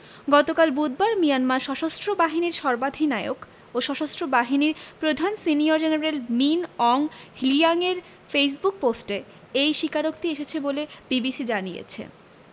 গতকাল বুধবার মিয়ানমার সশস্ত্র বাহিনীর সর্বাধিনায়ক ও সশস্ত্র বাহিনীর প্রধান সিনিয়র জেনারেল মিন অং হ্লিয়াংয়ের ফেসবুক পোস্টে এই স্বীকারোক্তি এসেছে বলে বিবিসি জানিয়েছে